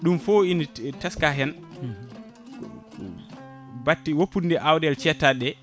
ɗum fo ina teska en batte woppude nde awɗel cettaɗeɗe